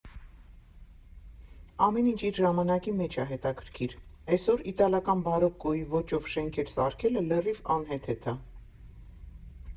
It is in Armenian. Ամեն ինչ իր ժամանակի մեջ ա հետաքրքիր, էսօր իտալական բարոկկոյի ոճով շենքեր սարքելը լրիվ անհեթեթ ա։